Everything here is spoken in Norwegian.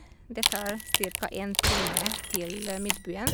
Det tar cirka én time til midtbyen.